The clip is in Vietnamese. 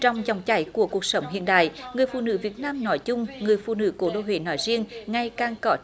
trong dòng chảy của cuộc sống hiện đại người phụ nữ việt nam nói chung người phụ nữ cố đô huế nói riêng ngày càng có